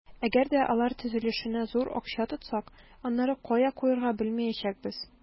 Әгәр дә алар төзелешенә зур акча тотсак, аннары кая куярга белмәячәкбез.